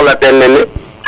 o soxla ten nene